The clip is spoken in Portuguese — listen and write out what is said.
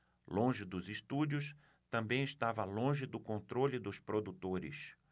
longe dos estúdios também estava longe do controle dos produtores